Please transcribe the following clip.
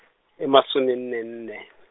e masome nne nne.